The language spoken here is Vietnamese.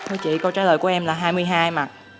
thưa chị câu trả lời của em là hai mươi hai mặt